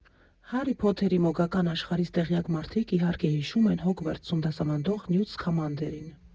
Հարի Փոթերի մոգական աշխարհից տեղյակ մարդիկ իհարկե հիշում են Հոգվարցում դասավանդող Նյութ Սքամանդերին։